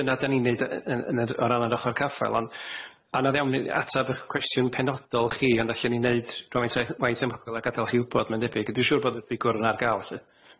Dyna 'dan ni'n neud yy yn yn yr o ran yr ochor caffael ond anodd iawn i atab 'ych cwestiwn penodol chi ond allwn ni neud rhywfaint o waith ymchwil a gadal chi wbod ma'n debyg ond dwi'n siŵr bod y ffigwr yna ar ga'l lly.